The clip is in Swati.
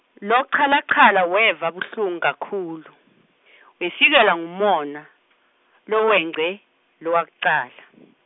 Lochalachala weva buhlungu kakhulu , wefikelwa ngumona, lowengce, lowakucala .